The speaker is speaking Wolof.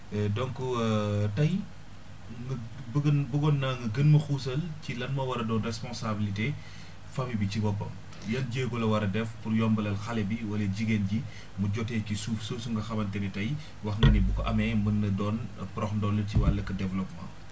donc tey nga bëgg bëggoon naa nga gën ma xuusal ci lan moo war a doon responsabilité famille bi ci boppam yan jéegó la war a def pour yombalal xale bi wala jigéen ji mu jotee ci suuf soosu nga xamante ni tey wax nga ni bu ko amee mun na doon podoxndol ci wàllug développement